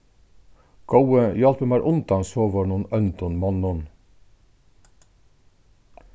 góði hjálpið mær undan sovorðnum óndum monnum